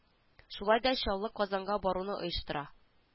Шулай да чаллы казанга баруны оештыра